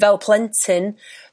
fel plentyn